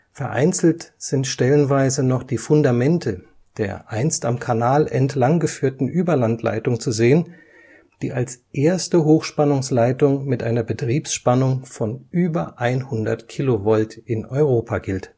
Vereinzelt sind stellenweise noch die Fundamente der einst am Kanal entlangführenden Überlandleitung zu sehen, die als erste Hochspannungsleitung mit einer Betriebsspannung von über 100 kV in Europa gilt